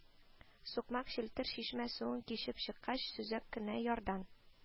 Сукмак, челтер чишмә суын кичеп чыккач, сөзәк кенә ярдан